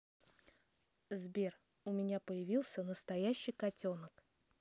сбер а у меня появился настоящий котенок